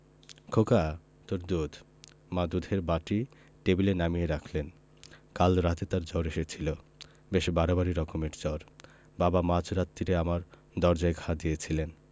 খোকা তোর দুধ মা দুধের বাটি টেবিলে নামিয়ে রাখলেন কাল রাতে তার জ্বর এসেছিল বেশ বাড়াবাড়ি রকমের জ্বর বাবা মাঝ রাত্তিরে আমার দরজায় ঘা দিয়েছিলেন